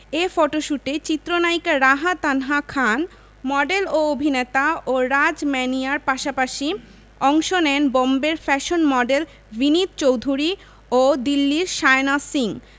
এ ফটোশ্যুটে চিত্রনায়িকা রাহা তানহা খান মডেল ও অভিনেতা ও রাজ ম্যানিয়ার পাশাপাশি অংশ নেন বোম্বের ফ্যাশন মডেল ভিনিত চৌধুরী ও দিল্লির শায়না সিং